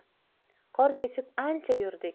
qor kechib ancha yurdik